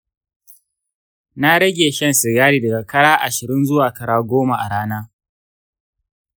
na rage shan sigari daga kara ashirin zuwa kara goma a rana.